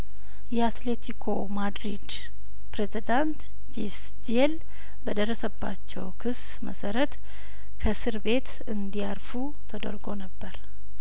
የአትሌቲኮ ማድሪድ ፕሬዝዳንት ጂስ ጄል በደረሰባቸው ክስ መሰረት ከእስር ቤት እንዲያርፉ ተደርጐ ነበር